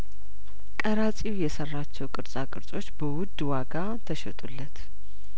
ቀራጺው የሰራቸው ቅርጻ ቅርጾች በውድ ዋጋ ተሸጡለት